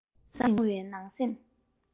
དྭངས ཤིང གཙང བའི ནང སེམས